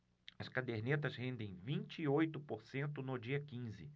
as cadernetas rendem vinte e oito por cento no dia quinze